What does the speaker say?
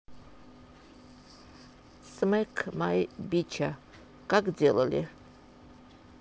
smack my бича как делали